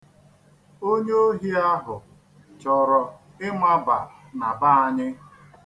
Onye ohi ahụ chọrọ ịmaba na be anyị.